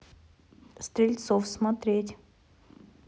стрельцов смотреть